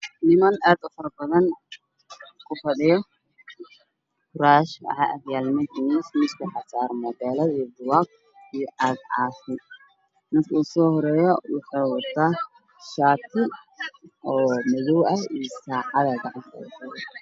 Niman aada u fara badan oo ku fadhiyo kuraas nimanka waxaa hor yaalo miisaas waxaa u saaran taleefanno caafi maadka ugu soo shaati daan